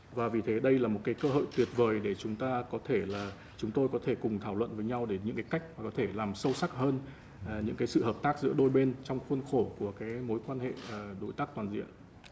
và vì thế đây là một kẻ cơ hội tuyệt vời để chúng ta có thể là chúng tôi có thể cùng thảo luận với nhau đến những cải cách và có thể làm sâu sắc hơn là những cái sự hợp tác giữa đôi bên trong khuôn khổ của các mối quan hệ đối tác toàn diện